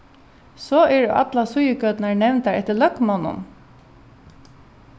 so eru allar síðugøturnar nevndar eftir løgmonnum